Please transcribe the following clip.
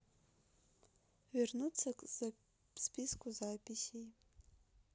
вернуться к списку записей